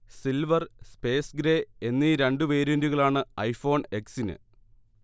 silver, space grey എന്നീ രണ്ടു വേരിയന്റുകളാണ് ഐഫോൺ എക്സിന്